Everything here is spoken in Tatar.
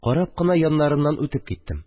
Карап кына яннарыннан үтеп киттем